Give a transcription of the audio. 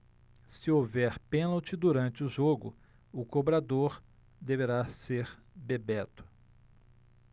se houver pênalti durante o jogo o cobrador deverá ser bebeto